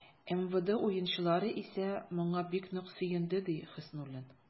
МВД уенчылары исә, моңа бик нык сөенде, ди Хөснуллин.